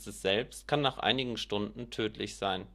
selbst kann nach einigen Stunden tödlich sein